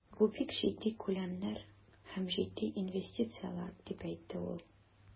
Бу бик җитди күләмнәр һәм җитди инвестицияләр, дип әйтте ул.